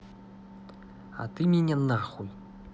а ты меня нахуй